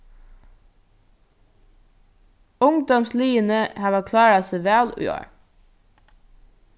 ungdómsliðini hava klárað seg væl í ár